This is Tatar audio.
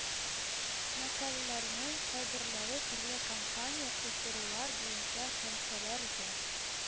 Мәкальләрнең кайберләре төрле кампания уздырулар буенча кәнсәләр йә